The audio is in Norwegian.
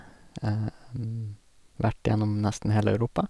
Vært gjennom nesten hele Europa.